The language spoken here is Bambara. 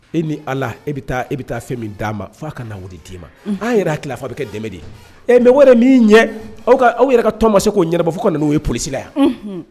E ni ala e e bɛ taa fɛn min d'a ma fo ka na de d' ma an yɛrɛ'a fa a bɛ kɛ dɛmɛ de ye ɛ mɛ o min ɲɛ aw yɛrɛ ka tɔnma se'o ɲɛnaba fo ka n'o ye polisi yan